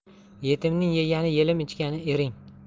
yetimning yegani yelim ichgani iring